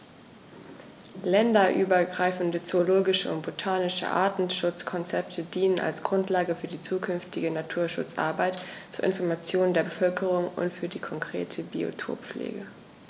Länderübergreifende zoologische und botanische Artenschutzkonzepte dienen als Grundlage für die zukünftige Naturschutzarbeit, zur Information der Bevölkerung und für die konkrete Biotoppflege.